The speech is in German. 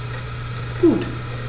Gut.